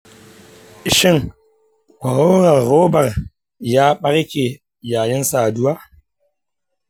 shin kwaroron robar ya ɓarke yayin saduwa?